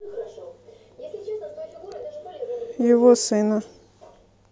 его сына